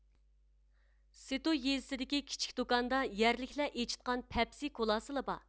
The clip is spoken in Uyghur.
سېتو يېزىسىدىكى كىچىك دۇكاندا يەرلىكلەر ئېچىتقان پەپسى كولاسىلا بار